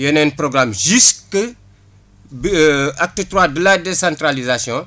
yeneen programme juste bi acte trois de la décentralisation